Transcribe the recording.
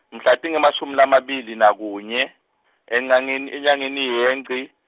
mhla tingemashumi lamabili nakunye, enyangen- enyangeni yeNgci.